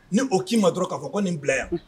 Ni o k'i ma dɔrɔn k'a fɔ ko nin bila yan